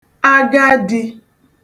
agadī